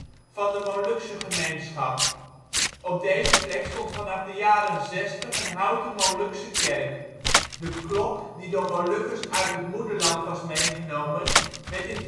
van de Molukse gemeenschap. Op deze plek stond vanaf de jaren zestig een houten Molukse kerk. De klok die door Molukkers uit het moederland was meegenomen, werd in